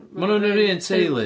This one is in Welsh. Maen nhw'n yr un teulu.